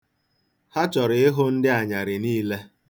Ha chọrọ ịhụ ndị anyarị niile.